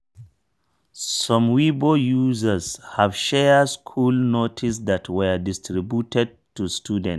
Some Weibo users have shared school notices that were distributed to students.